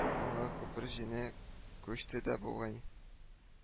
Аңа күпер җене күчте дә бугай